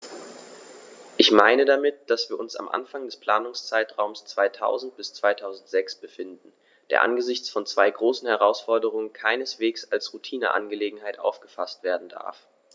Ich meine damit, dass wir uns am Anfang des Planungszeitraums 2000-2006 befinden, der angesichts von zwei großen Herausforderungen keineswegs als Routineangelegenheit aufgefaßt werden darf.